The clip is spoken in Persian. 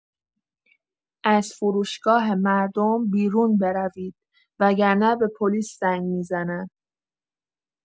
از فروشگاه مردم بیرون بروید، وگرنه به پلیس زنگ می‌زنم.